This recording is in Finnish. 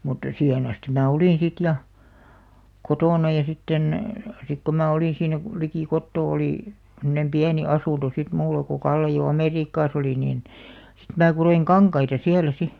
mutta siihen asti minä olin sitten ja kotona ja sitten sitten kun minä olin siinä - liki kotoa oli semmoinen pieni asunto sitten minulla kun Kalle jo Amerikassa oli niin sitten minä kudoin kankaita siellä sitten